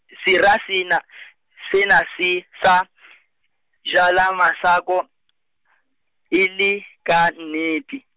Sera sena , sena se sa , jala masoko , e le ka nnete.